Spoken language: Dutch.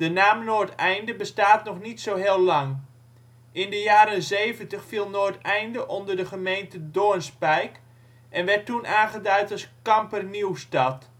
naam Noordeinde bestaat nog niet zo heel lang. In de jaren 70 viel Noordeinde onder de gemeente Doornspijk en werd toen aangeduid als Kampernieuwstad